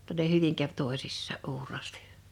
jotta ne hyvin kävi toisissaan uuraasti